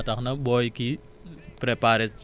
ba tax na booy kii